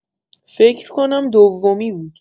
فکر کنم دومی بود